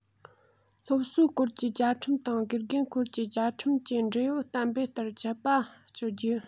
སློབ གསོའི སྐོར གྱི བཅའ ཁྲིམས དང དགེ རྒན སྐོར གྱི བཅའ ཁྲིམས ཀྱི འབྲེལ ཡོད གཏན འབེབས ལྟར ཆད པ གཅོད རྒྱུ